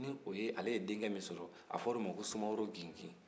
nin o ye ale ye denkɛ min sɔrɔ a fɔra o ma ko sumaworo gigin